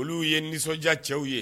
Olu ye nisɔndiya cɛww ye